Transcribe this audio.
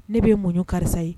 Ne bɛ n muɲu karisa ye.